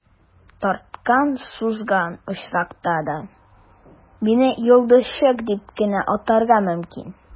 Тарткан-сузган очракта да, мине «йолдызчык» дип кенә атарга мөмкин.